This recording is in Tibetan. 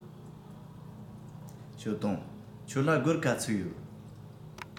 ཞའོ ཏུང ཁྱོད ལ སྒོར ག ཚོད ཡོད